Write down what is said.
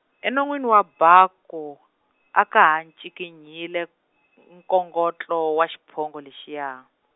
enonweni wa baku, a ka ha ncikinyile, nkongotlo wa xiphongo lexiya.